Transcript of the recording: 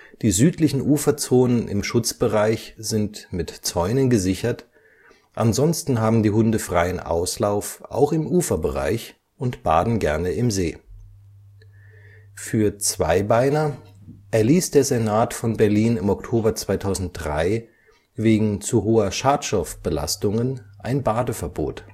Die südlichen Uferzonen im Schutzbereich sind mit Zäunen gesichert, ansonsten haben die Hunde freien Auslauf auch im Uferbereich und baden gerne im See. Für Zweibeiner erließ der Senat von Berlin im Oktober 2003 wegen zu hoher Schadstoffbelastungen ein Badeverbot